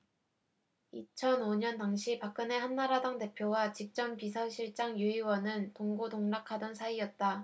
이천 오 년 당시 박근혜 한나라당 대표와 직전 비서실장 유 의원은 동고동락하던 사이었다